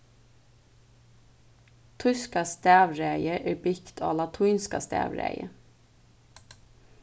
týska stavraðið er bygt á latínska stavraðið